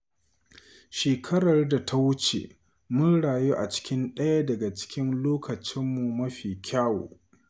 “Shekarar da ta wuce mun rayu a cikin ɗaya daga cikin lokacin mu mafi kyau.